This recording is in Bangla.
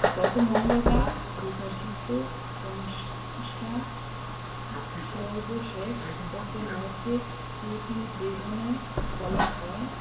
গত মঙ্গলবার প্রকাশিত সংস্থার সর্বশেষ অর্থনৈতিক প্রতিবেদনে বলা হয়